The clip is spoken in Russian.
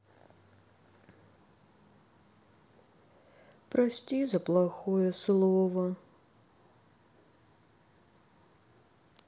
прости за плохое слово